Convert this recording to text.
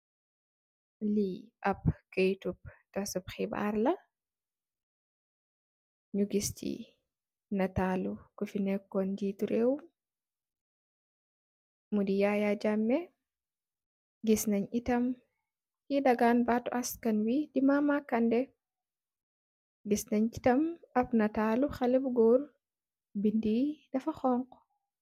Lii amb kayettou tassum kibar la nou guess cii natalou kou fii nekon njiitou rew mouiy di yaya Jammeh guess naiy ci eda gan batou askanwi dii mama kandeh gis nen tam natal hale bu gorr bindiyi defa honx.